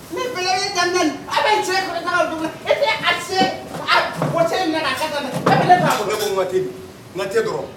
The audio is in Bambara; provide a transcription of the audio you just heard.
Ne bɛkɛ ee Daniel a' bɛ cɛ i tɛ a cɛn a b bo cɛ in minnɛ ka ne ko n ŋa thé dɛ n ŋa thé dɔrɔn